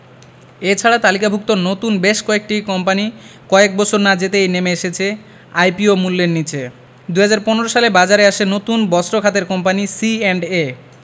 এ ছাড়া তালিকাভুক্ত নতুন বেশ কয়েকটি কোম্পানি কয়েক বছর না যেতেই নেমে এসেছে আইপিও মূল্যের নিচে ২০১৫ সালে বাজারে আসে বস্ত্র খাতের কোম্পানি সিঅ্যান্ডএ